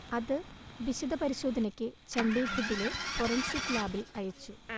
അത് വിശദപരിശോധനയ്ക്ക് ചണ്ഡീഗഢിലെ ഫൊറൻസിക് ലാബിൽ അയച്ചു